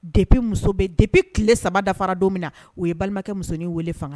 De de tile saba dafara don min na u ye balimakɛ musonin weele fanga